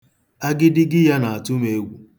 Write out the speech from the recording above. Agidigi ya na-atụ m egwu.